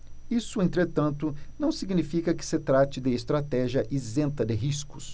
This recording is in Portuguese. isso entretanto não significa que se trate de estratégia isenta de riscos